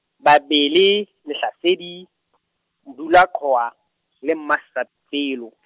Bebele, Lehlasedi, Modulaqhowa le Mmusapelo.